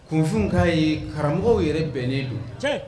Kunfin kaa ye karamɔgɔ yɛrɛ bɛnnen don